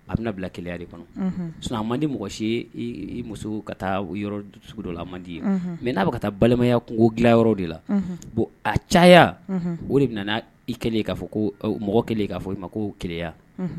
A bɛna na bila keya de kɔnɔ s man di mɔgɔ si ye i muso ka taa yɔrɔ dɔ la a man' ye mɛ n'a bɛ ka taa balimaya tun ko g yɔrɔ de la bon a caya o de bɛna i kɛlen'a fɔ ko mɔgɔ kelen k'a fɔ i ma ko keya